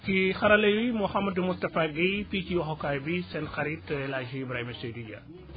ci xarale wi Mouhamadou Moustapha Guèye fii ci waxukaay bi seen xarit El Hadj Ibrahima Seydou Dia